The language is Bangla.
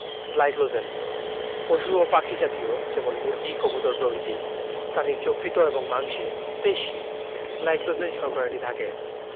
গ্লাইকোজেন পশু ও পাখি জাতীয় যেমন মুরগি কবুতর প্রভৃতি প্রাণীর যকৃৎ এবং মাংসে পেশি গ্লাইকোজেন শর্করাটি থাকে